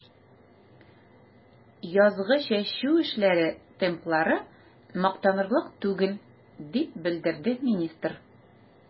Язгы чәчү эшләре темплары мактанырлык түгел, дип белдерде министр.